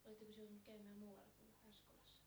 olettekos joutunut käymään muualla kuin Askolassa